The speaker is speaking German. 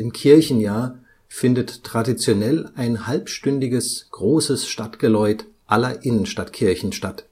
Kirchenjahr, findet traditionell ein halbstündiges Großes Stadtgeläut aller Innenstadtkirchen statt